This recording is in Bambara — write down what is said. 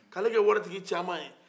k'ale kɛ wari tigi cama ye